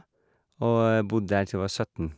Og bodde der til jeg var søtten.